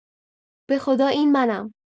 به‌خدا این منم.